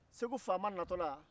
segu fama natɔ la